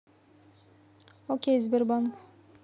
окей сбербанк